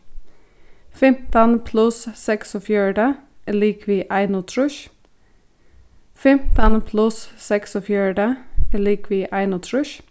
fimtan pluss seksogfjøruti er ligvið einogtrýss fimtan pluss seksogfjøruti er ligvið einogtrýss